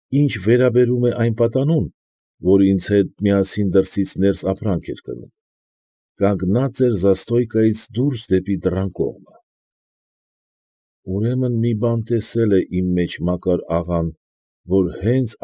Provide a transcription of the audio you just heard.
Ինչ վերաբերում է այն պատանուն, որն ինձ հետ միասին դրսից ներս ապրանք էր կրում, կանգնած էր զաստոյկայից դուրս դեպի դռան կողմը։ «Ուրեմն մի բան տեսել է իմ մեջ Մակար աղան, որ հենց։